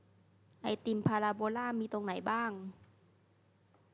ไอติมพาราโบลามีตรงไหนบ้าง